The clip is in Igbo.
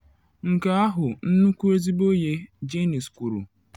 “Nke ahụ nnukwu ezigbo ihe,” Jaynes kwuru.